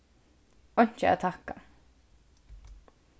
einki at takka